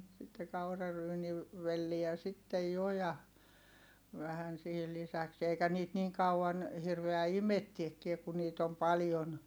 sitten - kauraryynivelliä sitten jo ja vähän siihen lisäksi eikä niitä niin kauan hirveä imettääkään kun niitä on paljon